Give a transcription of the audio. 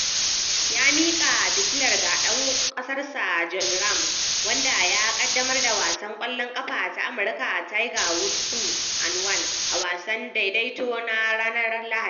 Ya mika fitilar ga dan kasarsa, John Ram, wanda ya kaddamar da wasan kwallon kafa ta Amurka Tiger Woods 2 & 1 a wasan daidaiku na ranar Lahadi.